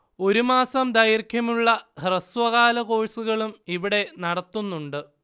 ഒരു മാസം ദൈർഘ്യമുള്ള ഹ്രസ്വകാല കോഴ്സുകളും ഇവിടെ നടത്തുന്നുണ്ട്